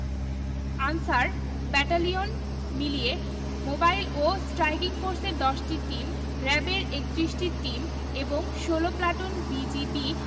answer battalion মিলিয়ে mobile ও striking ফোর্সের ১০টি টিম র ্যাবের ৩১টি টিম এবং ১৬ প্লাটুন বিজিবি